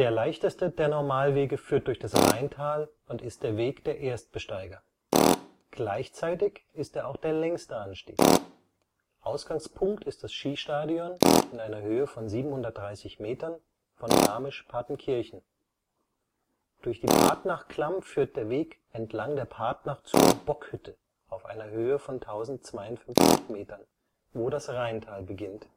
leichteste der Normalwege führt durch das Reintal und ist der Weg der Erstbesteiger. Gleichzeitig ist er auch der längste Anstieg. Ausgangspunkt ist das Skistadion (730 m) von Garmisch-Partenkirchen. Durch die Partnachklamm führt der Weg entlang der Partnach zur Bockhütte (1052 m), wo das Reintal beginnt